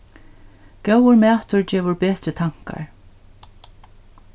góður matur gevur betri tankar